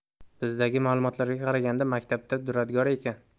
bizdagi ma'lumotlarga qaraganda maktabda duradgor ekan